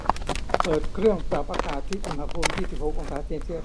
เปิดเครื่องปรับอากาศที่อุณหภูมิยี่สิบหกองศาเซลเซียส